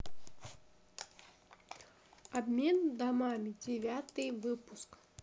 обмен домами девятый выпуск